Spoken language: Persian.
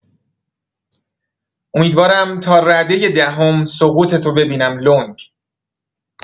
امیدوارم تا ردۀ دهم سقوطتو ببینم لنگ